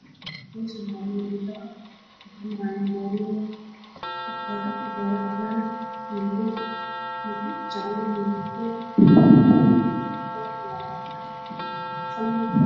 Meel laami ah waxaa taagan baabuur badan oo isku eg midkood yahay caddaan iyo dhex taagan laamiga